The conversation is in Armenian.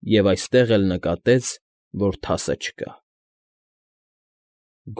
Եվ այստեղ էլ նակտեց, որ թասը չկա։